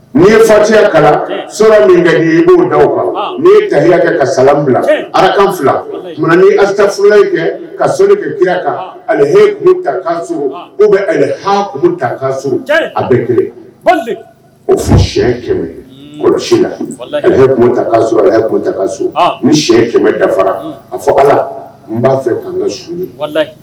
Nii ye fatiya kala sɔrɔ min ka da kan n ye taya kɛ ka sa bila arakan fila ni alisaf kɛ ka soni bɛya kan ali kun takaso o bɛ ali ha kun takaso a bɛ kɛ o fɔ siyɛn kɛmɛ kɔlɔsi la kun ta a kun taka so ni siyɛn kɛmɛ dafara a fɔ ala la n b'a fɛ k'an ka su ye